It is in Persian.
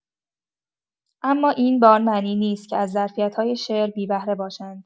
اما این به آن معنی نیست که از ظرفیت‌های شعر بی‌بهره باشند.